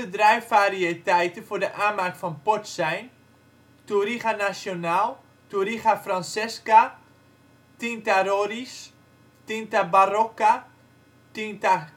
druifvariëteiten voor de aanmaak van port zijn: Touriga nacional, Touriga francesca, Tinta roriz, Tinta barroca, Tinta